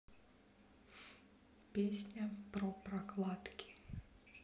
песня про прокладки